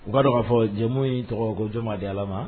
U'a dona fɔ jamumu in tɔgɔ ko jomaa di ala ma